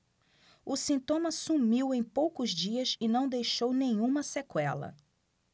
o sintoma sumiu em poucos dias e não deixou nenhuma sequela